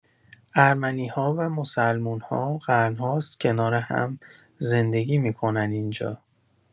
ارمنی‌ها و مسلمون‌ها قرن‌هاست کنار هم زندگی می‌کنن اینجا.